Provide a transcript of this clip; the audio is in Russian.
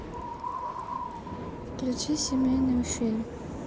включи семейный фильм